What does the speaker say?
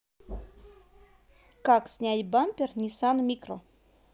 как снять бампер ниссан микро